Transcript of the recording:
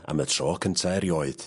...am y tro cynta erioed.